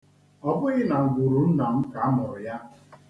Ọ bụghị na ngwuru nna m ka a mụrụ ya.